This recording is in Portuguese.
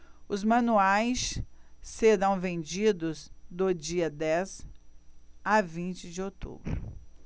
os manuais serão vendidos do dia dez a vinte de outubro